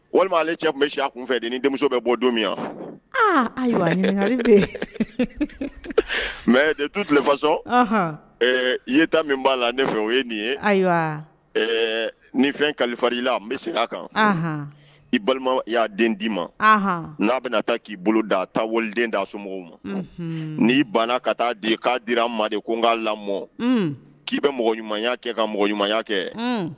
Walima ale cɛ tun bɛ kun fɛ ni denmuso bɛ bɔ don min yan mɛ tu tilesɔn i ye min b'a la ne fɛ o ye nin ye ayiwa ni fɛn kalifa la n bɛ segin a kan i balima y'a den d'i ma n'a bɛna ta k'i bolo d' taden da somɔgɔw ma n'i banna ka taa di k'a dira ma ko n'a lamɔ k'i bɛ mɔgɔ ɲumanya kɛ ka mɔgɔ ɲumanya kɛ